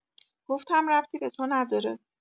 گفتم ربطی به تو نداره